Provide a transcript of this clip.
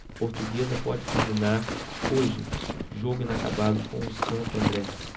portuguesa pode terminar hoje jogo inacabado com o santo andré